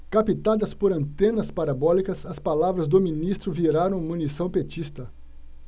captadas por antenas parabólicas as palavras do ministro viraram munição petista